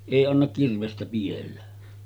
ei anna kirvestä pidellä